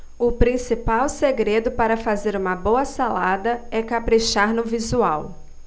o principal segredo para fazer uma boa salada é caprichar no visual